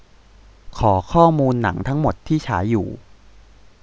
ขอข้อมูลหนังทั้งหมดที่ฉายอยู่